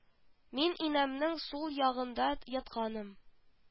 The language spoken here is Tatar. Мин инәмнең сул ягында ятканым